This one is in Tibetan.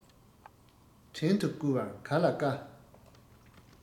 བྲན དུ བཀོལ བར ག ལ དཀའ